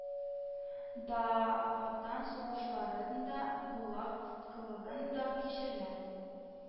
Да, ватан сугышларын да, гулаг тоткынлыгын да кичергән,